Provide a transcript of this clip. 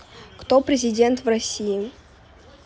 кто президент в россии